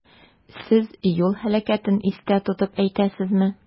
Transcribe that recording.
Сез юл һәлакәтен истә тотып әйтәсезме?